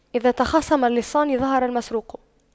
إذا تخاصم اللصان ظهر المسروق